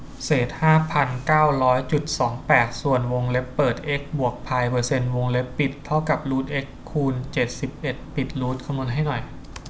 เศษห้าพันเก้าร้อยจุดสองแปดส่วนวงเล็บเปิดเอ็กซ์บวกพายเปอร์เซ็นต์วงเล็บปิดเท่ากับรูทเอ็กซ์คูณเจ็ดสิบเอ็ดจบรูทคำนวณให้หน่อย